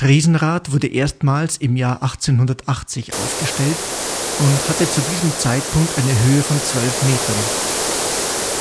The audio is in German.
Riesenrad wurde erstmals im Jahr 1880 aufgestellt und hatte zu diesem Zeitpunkt eine Höhe von 12 Metern.